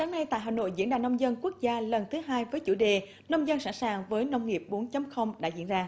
sáng nay tại hà nội diễn đàn nông dân quốc gia lần thứ hai với chủ đề nông dân sẵn sàng với nông nghiệp bốn chấm không đã diễn ra